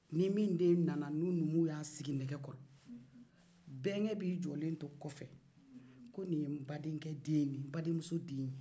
nin min den nana ni numuw y'a sigi nɛgɛ kɔrɔ bɛnkɛ b'i jɔlen to kɔfɛ ko ni ye n balimakɛ den ye ni ye n balimamuso den ye